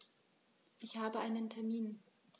Ich habe einen Termin.